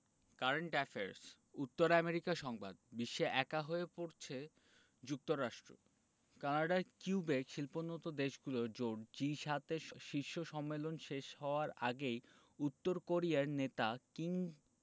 current affairs উত্তর America সংবাদ বিশ্বে একা হয়ে পড়ছে যুক্তরাষ্ট্র কানাডার কিইবেক শিল্পোন্নত দেশগুলোর জোট জি ৭ এর শীর্ষ সম্মেলন শেষ হওয়ার আগেই উত্তর কোরিয়ার নেতা কিম